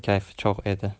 kayfi chog' edi